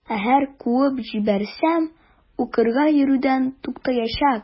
Әгәр куып җибәрсәм, укырга йөрүдән туктаячак.